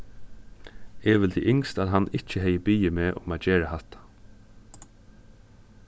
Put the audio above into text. eg vildi ynskt at hann ikki hevði biðið meg um at gera hatta